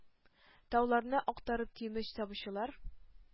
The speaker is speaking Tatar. Тауларны актарып тимер табучылар,